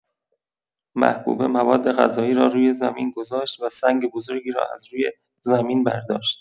محبوبه موادغذایی را روی زمین گذاشت و سنگ بزرگی را از روی زمین برداشت.